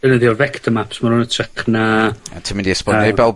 ...defnyddio'r vector maps ma' nw'n ytrach na... Nawr ti mynd i esbonio i bawb...